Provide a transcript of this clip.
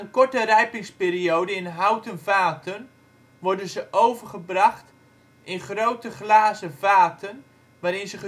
korte rijpingsperiode in houten vaten worden ze overgebracht in grote glazen vaten waarin ze gedurende